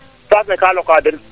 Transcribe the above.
saas ne kaa lokaden